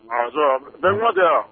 Ɔ bɛnkuma tɛ yan